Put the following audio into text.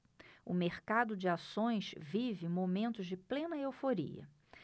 o mercado de ações vive momentos de plena euforia